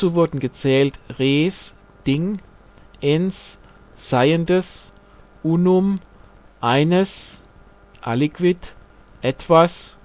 wurden gezählt: res (Ding), ens (Seiendes), unum (Eines), aliquid (Etwas